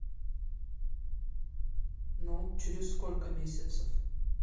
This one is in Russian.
ну через сколько месяцев